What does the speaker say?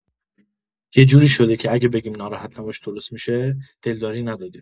یجوری شده که اگه بگیم ناراحت نباش درست می‌شه دلداری ندادیم